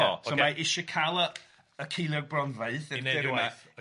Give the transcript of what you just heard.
So mae o isio cael y y ceiliog bronfraith i 'neud ei waith... Ocê.